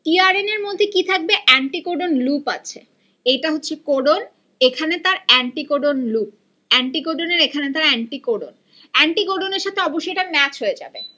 T R N A এর মধ্যে কি থাকবে এন্টিকোডন লুপ আছে এটা হচ্ছে কোডন এখানে তার এন্টিকোডন লুপ অ্যান্টি কোডনে এখানে তার এন্টিকোডন এন্টি কোডন এর সাথে অবশ্যই এটা ম্যাচ হয়ে যাবে